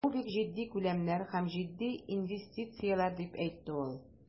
Бу бик җитди күләмнәр һәм җитди инвестицияләр, дип әйтте ул.